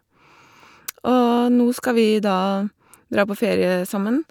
Og nå skal vi da dra på ferie sammen.